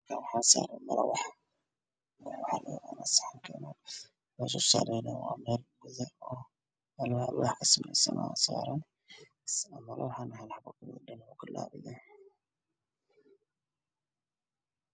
Waa saxan waxa kujira malawax oo farabadan oo is darsaaran oo jala ah